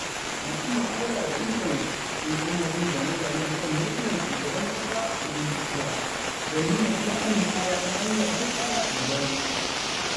Masu mu'amala da intanet sun koma yin zane-zane a kan hotunan Shugban Nkurunziza don nuna ƙin amincewa ta hanyar hashtag guda biyu